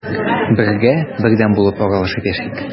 Бергә, бердәм булып аралашып яшик.